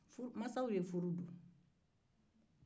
mansaw ye furu don